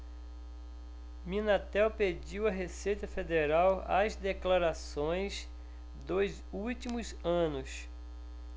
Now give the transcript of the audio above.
minatel pediu à receita federal as declarações dos últimos anos